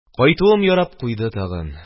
Кайтуым ярап куйды тагын.